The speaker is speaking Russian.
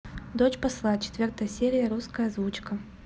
дочь посла четвертая серия русская озвучка